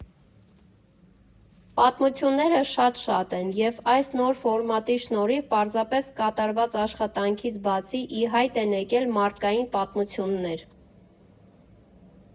Պատմությունները շատ֊շատ են, և այս նոր ֆորմատի շնորհիվ պարզապես կատարված աշխատանքից բացի ի հայտ են եկել մարդկային պատմություններ։